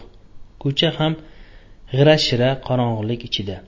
ko'cha ham g'ira shira qorong'ulik ichida